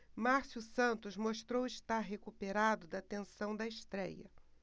márcio santos mostrou estar recuperado da tensão da estréia